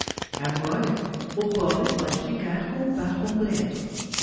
agora o pobre pode ficar com o par completo